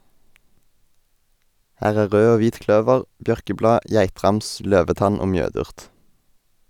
Her er rød og hvit kløver, bjørkeblad, geitrams, løvetann og mjødurt.